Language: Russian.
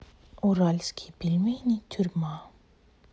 уральские пельмени тюрьма